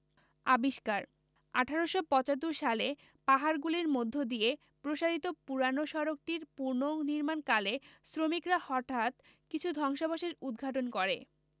আবিষ্কারঃ ১৮৭৫ সালে পাহাড়গুলির মধ্য দিয়ে প্রসারিত পুরানো সড়কটির পুনঃনির্মাণ কালে শ্রমিকরা হঠাৎ কিছু ধ্বংসাবশেষ উদ্ঘাটন করে